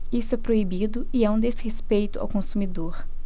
isso é proibido e é um desrespeito ao consumidor